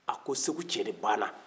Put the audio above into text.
a ko segu cɛ de banna